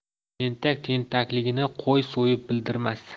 tentak tentakligini qo'y so'yib bildirmas